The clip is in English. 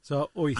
So, wyth.